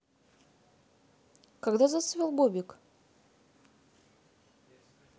когда зацвел бобик